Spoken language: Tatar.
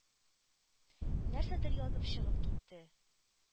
Нәрсәдер язып чыгып китте.